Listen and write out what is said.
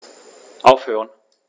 Aufhören.